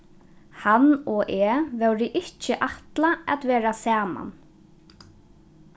hann og eg vóru ikki ætlað at vera saman